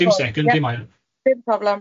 Dim second, dim ail... Dim problem.